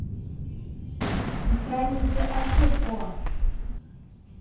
устраните ошибку